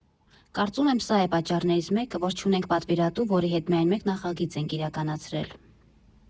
Կարծում եմ սա է պատճառներից մեկը, որ չունենք պատվիրատու, որի հետ միայն մեկ նախագիծ ենք իրականացրել։